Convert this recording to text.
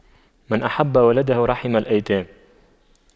من أحب ولده رحم الأيتام